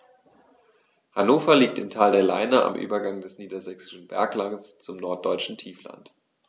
Hannover liegt im Tal der Leine am Übergang des Niedersächsischen Berglands zum Norddeutschen Tiefland.